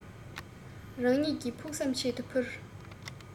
རང ཉིད ཀྱི ཕུགས བསམ ཆེད དུ འཕུར